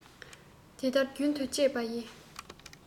དེ ལྟར རྒྱུན དུ སྤྱད པ ཡིས